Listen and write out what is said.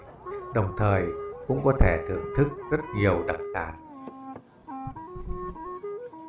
đồng thời cũng có thể thưởng thức rất nhiều đặc sản